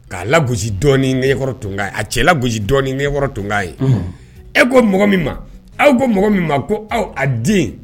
K'a labu dɔi tun a cɛ labu dɔikɔrɔ tun k'a ye e ko mɔgɔ min aw ko mɔgɔ min ma ko aw a den